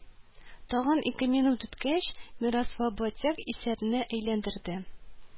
Тагын ике минут үткәч Мирослав Блатяк исәпне әйләндерде